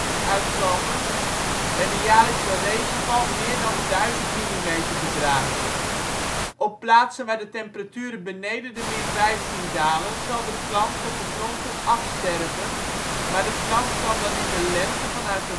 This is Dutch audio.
uitkomen en de jaarlijkse regenval meer dan 1000 mm bedraagt. Op plaatsen waar de temperaturen beneden de – 15 °C dalen, zal de plant tot de grond toe afsterven, maar de plant kan dan in de lente vanuit